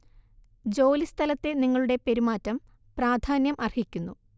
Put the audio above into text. ജോലി സ്ഥലത്തെ നിങ്ങളുടെ പെരുമാറ്റം പ്രാധാന്യം അര്ഹിക്കുന്നു